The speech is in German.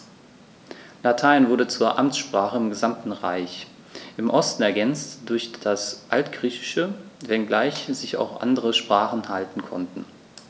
Latein wurde zur Amtssprache im gesamten Reich (im Osten ergänzt durch das Altgriechische), wenngleich sich auch andere Sprachen halten konnten.